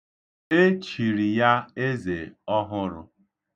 E chiri ya eze ọhụrụ.